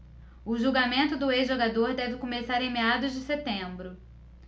o julgamento do ex-jogador deve começar em meados de setembro